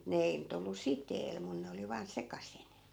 mutta ne ei nyt ollut siteellä minun ne oli vain sekaisin